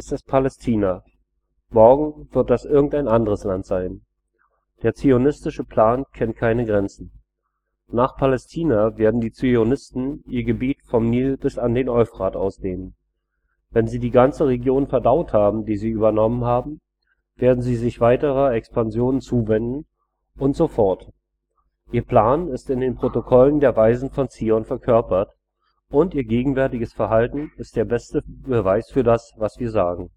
es Palästina, morgen wird das irgendein anderes Land sein. Der zionistische Plan kennt keine Grenzen. Nach Palästina werden die Zionisten ihr Gebiet vom Nil bis an den Euphrat ausdehnen. Wenn sie die ganze Region verdaut haben, die sie übernommen haben, werden sie sich weiterer Expansion zuwenden, und so fort. Ihr Plan ist in den ‚ Protokollen der Weisen von Zion ‘verkörpert, und ihr gegenwärtiges Verhalten ist der beste Beweis für das, was wir sagen